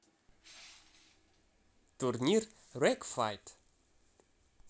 турнир гас fight